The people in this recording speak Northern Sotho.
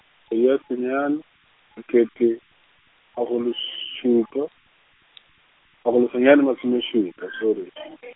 eya senyane, sekete, makgolo s- šupa, makgolo senyane masome šupa sorry .